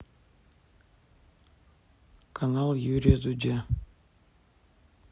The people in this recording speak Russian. канал юрия дудя